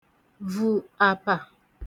vù àpà